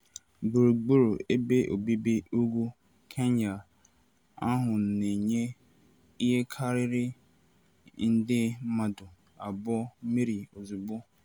Gburugburu ebe obibi Ugwu Kenya ahụ na-enye ihe karịrị nde mmadụ abụọ mmiri ozugbo.